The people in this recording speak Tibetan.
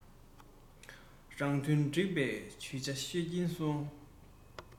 མི སེམས འཛིན པའི སྐད ཆ ཤོད ཀྱིན སོང